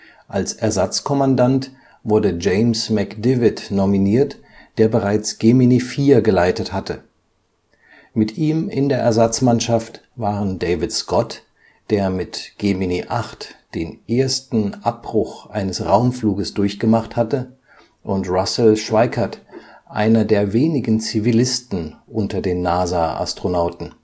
Als Ersatzkommandant wurde James McDivitt nominiert, der bereits Gemini 4 geleitet hatte. Mit ihm in der Ersatzmannschaft waren David Scott, der mit Gemini 8 den ersten Abbruch eines Raumfluges durchgemacht hatte, und Russell L. Schweickart, einer der wenigen Zivilisten unter den NASA-Astronauten